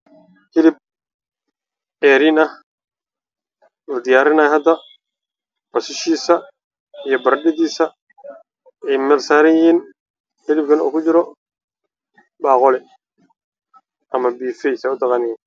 Meeshaan waxaa ka muuqdo hilib ceeriin ah oo hada la diyaarinaayo